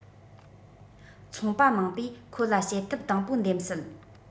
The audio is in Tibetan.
ཚོང པ མང པོས ཁོ ལ བྱེད ཐབས དང པོ འདེམས སྲིད